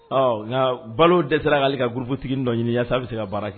Ɔ nka balo dɛsɛra k'ale ka guruptigi dɔ ɲini yaa' a bɛ se ka baara kɛ